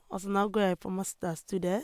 Og så nå går jeg på masterstudier.